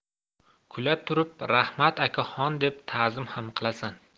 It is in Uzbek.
kula turib raxmat akaxon deb ta'zim xam qilasan